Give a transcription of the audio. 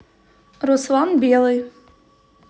руслан белый